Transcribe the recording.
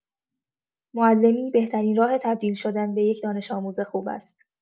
معلمی بهترین راه تبدیل شدن به یک دانش‌آموز خوب است.